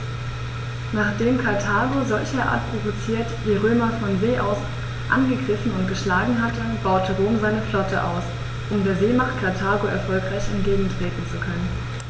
Nachdem Karthago, solcherart provoziert, die Römer von See aus angegriffen und geschlagen hatte, baute Rom seine Flotte aus, um der Seemacht Karthago erfolgreich entgegentreten zu können.